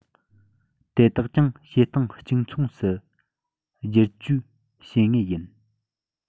དེ དག ཀྱང བྱེད སྟངས གཅིག མཚུངས སུ བསྒྱུར བཅོས བྱེད ངེས ཡིན